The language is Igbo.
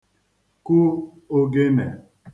kụ ōgēnè